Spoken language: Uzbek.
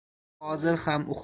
u hozir ham